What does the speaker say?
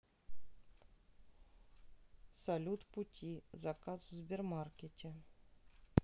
салют пути заказ в сбермаркете